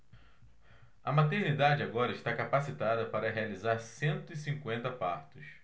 a maternidade agora está capacitada para realizar cento e cinquenta partos